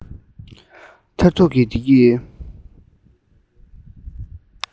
མཐར ཐུག གི བདེ སྐྱིད